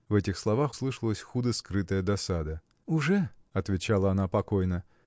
В этих словах слышалась худо скрытая досада. – Уже! – отвечала она покойно.